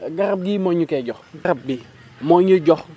garab gii moo ñu koy jox garab gi moo ñuy jox